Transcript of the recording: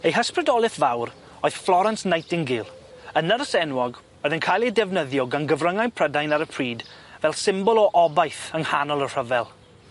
Ei hysbrydoleth fawr oedd Florence Nightingale y nyrs enwog oedd yn cael ei defnyddio gan gyfryngau Prydain ar y pryd fel symbol o obaith yng nghanol y rhyfel.